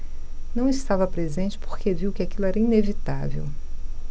não estava presente porque viu que aquilo era inevitável